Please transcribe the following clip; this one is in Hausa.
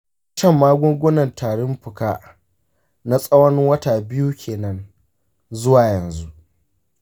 ina shan magungunan tarin fuka na tsawon wuta biyu kenan zuwa yanzu.